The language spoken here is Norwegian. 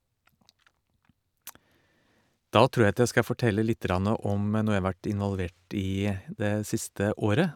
Da tror jeg at jeg skal fortelle lite grann om noe jeg har vært involvert i det siste året.